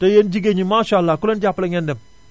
te yéen jigéen ñi maasàllaa ku leen jàppale ngeen dem